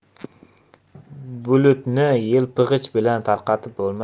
bulutni yelpig'ich bilan tarqatib bo'lmaydi